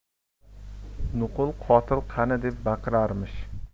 nuqul qotil qani deb baqirarmish